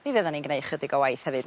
mi fyddan ni'n gneu' chydig o waith hefyd.